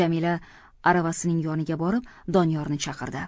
jamila aravasining yoniga borib doniyorni chaqirdi